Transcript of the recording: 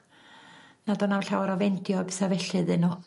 nad o 'na'm llawar o fendio a petha felly iddyn n'w.